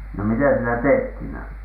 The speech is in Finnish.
no mitä siellä tehtiin siinä